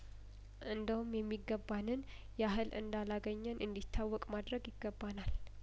እንደውም የሚገባንን ያህል እንዳላገኘን እንዲታወቅ ማድረግ ይገባናል